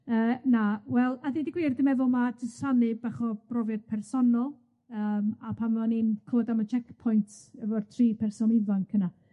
Yy, na, wel, a deud y gwir, dwi'n meddwl ma' jyst rhannu bach o brofiad personol, yym, a pan o'n i'n clwed am y checkpoint efo'r tri person ifanc yna